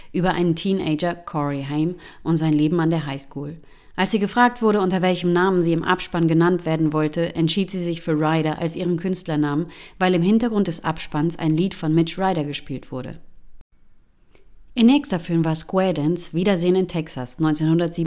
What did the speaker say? einen Teenager (Corey Haim) und sein Leben an der High School. Als sie gefragt wurde, unter welchem Namen sie im Abspann genannt werden wollte, entschied sie sich für Ryder als ihren Künstlernamen, weil im Hintergrund des Abspanns ein Lied von Mitch Ryder gespielt wurde. Ihr nächster Film war Square Dance – Wiedersehen in Texas (1987